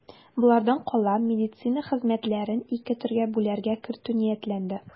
Болардан кала медицина хезмәтләрен ике төргә бүләргә кертү ниятләнде.